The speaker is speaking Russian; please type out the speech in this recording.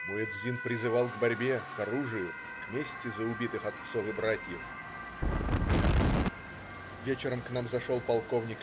Муэдзин призывал к борьбе, к оружию, к мести за убитых отцов и братьев. Вечером к нам зашел полк.